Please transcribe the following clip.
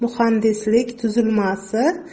muhandislik tuzilmasi